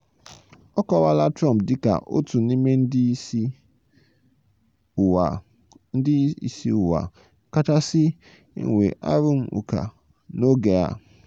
A kọwaala Trump dịka "otu n'ime ndị isi ụwa kachasị enwe arụm ụka n'oge a".